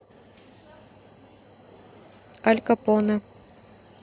алькапоне